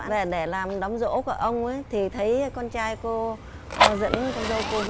về để làm đám giỗ của ông ấy thì thấy con trai cô dẫn con dâu cô